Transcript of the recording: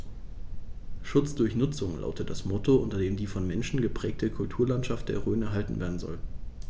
„Schutz durch Nutzung“ lautet das Motto, unter dem die vom Menschen geprägte Kulturlandschaft der Rhön erhalten werden soll.